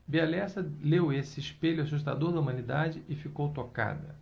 bia lessa leu esse espelho assustador da humanidade e ficou tocada